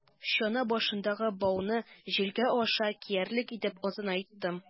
Чана башындагы бауны җилкә аша киярлек итеп озынайттым.